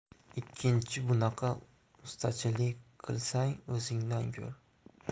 ikkinchi bunaqa ustachilik qilsang o'zingdan ko'r